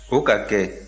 o ka kɛ